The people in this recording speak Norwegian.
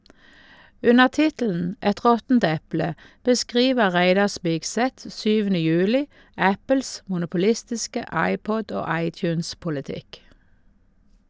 Under tittelen "Et råttent eple" beskriver Reidar Spigseth 7. juli Apples monopolistiske iPod- og iTunes-politikk.